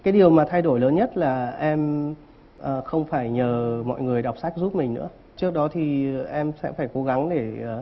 cái điều mà thay đổi lớn nhất là em không phải nhờ mọi người đọc sách giúp mình nữa trước đó thì em sẽ phải cố gắng để